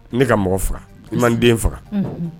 Ne ka mɔgɔ faga mande faga